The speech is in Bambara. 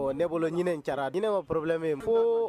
Ne bolo ɲinin jara diinɛ ma porolɛlenmɛ ko